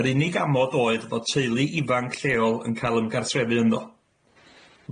Yr unig amod oedd fod teulu ifanc lleol yn ca'l ymgartrefu ynddo.